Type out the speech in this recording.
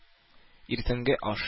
Иртәнге аш